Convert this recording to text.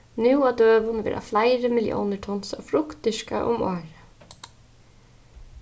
nú á døgum verða fleiri milliónir tons av frukt dyrkað um árið